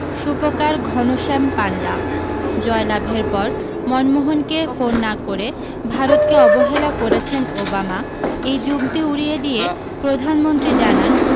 সূপকার ঘনশ্যাম পাণ্ডা জয়লাভের পর মনমোহনকে ফোন না করে ভারতকে অবহেলা করেছেন ওবামা এই যুক্তি উড়িয়ে দিয়ে প্রধানমন্ত্রী জানান